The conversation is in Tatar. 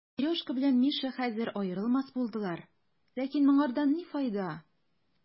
Сережка белән Миша хәзер аерылмас булдылар, ләкин моңардан ни файда?